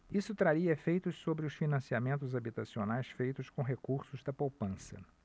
isso traria efeitos sobre os financiamentos habitacionais feitos com recursos da poupança